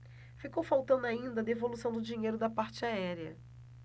ficou faltando ainda a devolução do dinheiro da parte aérea